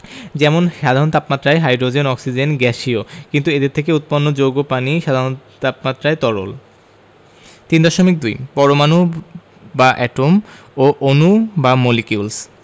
যেমন সাধারণ তাপমাত্রায় হাইড্রোজেন ও অক্সিজেন গ্যাসীয় কিন্তু এদের থেকে উৎপন্ন যৌগ পানি সাধারণ তাপমাত্রায় তরল 3.2 পরমাণু বা এটম ও অণু বা মলিকিউলস